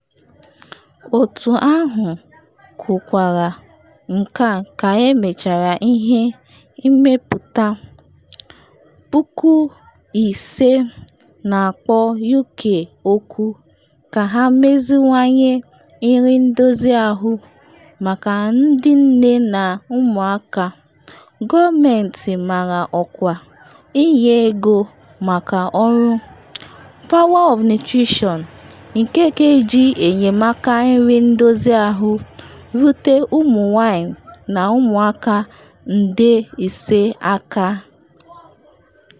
Otu ahụ kwukwara nke a ka emechara ihe mmepụta 5,000, na-akpọ U.K oku ka ha meziwanye nri ndozi ahụ maka ndị nne na ụmụaka, gọọmentị mara ọkwa inye ego maka ọrụ, Power of Nutrition, nke ga-eji enyemaka nri ndozi ahụ rute ụmụ-nwanyị na ụmụaka nde 5 aka.